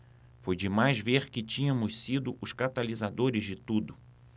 foi demais ver que tínhamos sido os catalisadores de tudo